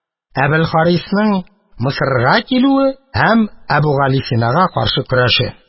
Әбелхарисның Мисырга килүе һәм Әбүгалисинага каршы көрәше